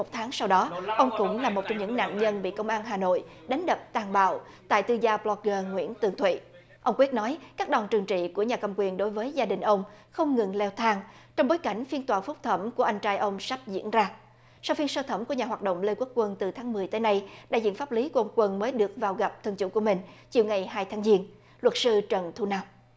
một tháng sau đó ông cũng là một trong những nạn nhân bị công an hà nội đánh đập tàn bạo tại tư gia bờ lóc gơ nguyễn tường thụy ông quyết nói các đòn trừng trị của nhà cầm quyền đối với gia đình ông không ngừng leo thang trong bối cảnh phiên toàn phúc thẩm của anh trai ông sắp diễn ra sau phiên sơ thẩm của nhà hoạt động lê quốc quân từ tháng mười tới nay đại diện pháp lý của ông quân mới được vào gặp thân chủ của mình chiều ngày hai tháng giêng luật sư trần thu nam